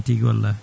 tigui wallahi